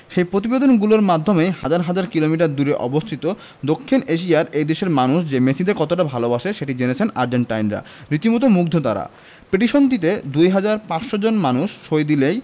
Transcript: সেই প্রতিবেদনগুলোর মাধ্যমে হাজার হাজার কিলোমিটার দূরে অবস্থিত দক্ষিণ এশিয়ার এই দেশের মানুষ যে মেসিদের কতটা ভালোবাসে সেটি জেনেছেন আর্জেন্টাইনরা রীতিমতো মুগ্ধ তাঁরা পিটিশনটিতে ২ হাজার ৫০০ মানুষ সই দিলেই